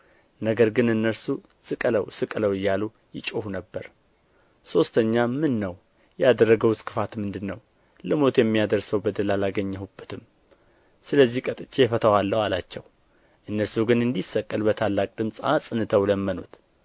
ነገር ግን እነርሱ ስቀለው ስቀለው እያሉ ይጮኹ ነበር ሦስተኛም ምን ነው ያደረገውስ ክፋት ምንድር ነው ለሞት የሚያደርሰው በደል አላገኘሁበትም ስለዚህ ቀጥቼ እፈታዋለሁ አላቸው እነርሱ ግን እንዲሰቀል በታላቅ ድምፅ አጽንተው ለመኑት